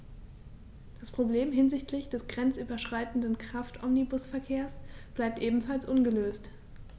Das Problem hinsichtlich des grenzüberschreitenden Kraftomnibusverkehrs bleibt ebenfalls ungelöst.